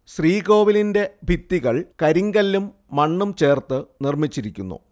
ശ്രീകോവിലിന്റെ ഭിത്തികൾ കരിങ്കല്ലും മണ്ണും ചേർത്ത് നിർമ്മിച്ചിരിക്കുന്നു